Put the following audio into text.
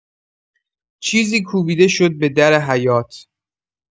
چیزی کوبیده شد به در حیاط